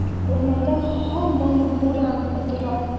Урамда һаман буран котыра.